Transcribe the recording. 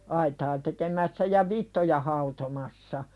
aitaa tekemässä ja vitsoja hautomassa